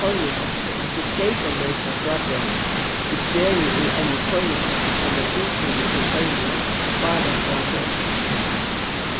koyrirætti eftir treytaleysa frádøming við støði í einum koyrikorti sum varð útgivið í føroyum áðrenn frádøming